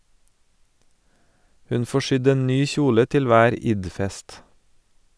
Hun får sydd en ny kjole til hver Id-fest.